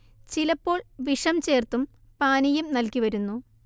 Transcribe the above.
ചിലപ്പോൾ വിഷം ചേർത്തും പാനിയം നൽകി വരുന്നു